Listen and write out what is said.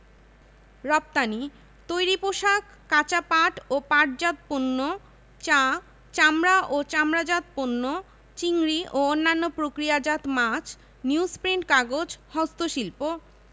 বেতার সম্প্রচার কেন্দ্রঃ ঢাকা চট্টগ্রাম খুলনা রাজশাহী রংপুর সিলেট রাঙ্গামাটি কুমিল্লা এবং ঠাকুরগাঁও